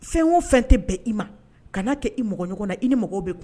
Fɛn o fɛn tɛ bɛn i ma kana kɛ i mɔgɔ ɲɔgɔn i ni mako bɛ